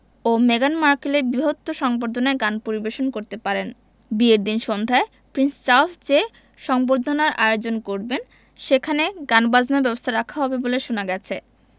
ও Megan মার্কেলের বিবাহোত্তর সংবর্ধনায় গান পরিবেশন করতে পারেন বিয়ের দিন সন্ধ্যায় প্রিন্স চার্লস যে সংবর্ধনার আয়োজন করবেন সেখানে গানবাজনার ব্যবস্থা রাখা হবে বলে শোনা গেছে